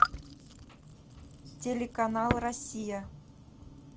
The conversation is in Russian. телеканал россия